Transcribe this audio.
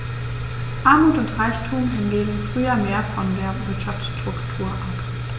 Armut und Reichtum hingen früher mehr von der Wirtschaftsstruktur ab.